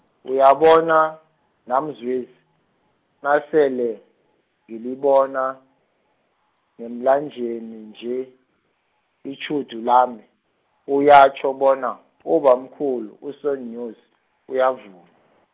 uyabona, NaMzwezi, nasele, ngilibona, neenlwaneni nje, itjhudu lami, kuyatjho bona, ubamkhulu uSoNyosi, uyavuma.